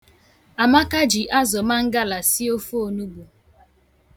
Amaka ji azụ mangala sie ofe onugbu.